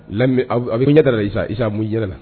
Isa a mun ɲɛ da la.